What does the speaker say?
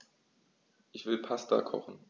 Ich will Pasta kochen.